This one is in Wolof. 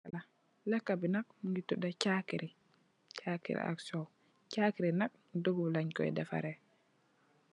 Leka la leka bi nak mu nge tuda chary ak sow. Chary nak dugup len koi defare .